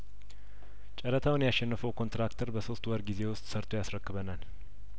ጨረታውን ያሸነፈው ኮንትራክተር በሶስት ወር ጊዜ ውስጥ ሰርቶ ያስረክ በናል